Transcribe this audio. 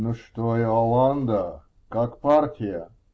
-- Ну что, Иоланда, как партия?